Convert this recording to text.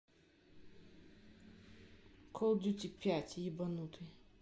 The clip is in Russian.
call duty пять ебанутый